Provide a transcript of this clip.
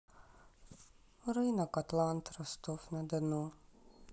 рынок атлант ростов на дону